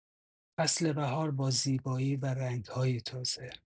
فصل بهار با زیبایی و رنگ‌های تازه